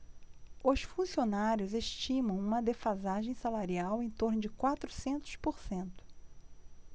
os funcionários estimam uma defasagem salarial em torno de quatrocentos por cento